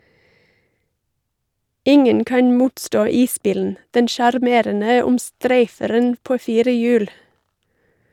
Ingen kan motstå isbilen , den sjarmerende omstreiferen på fire hjul.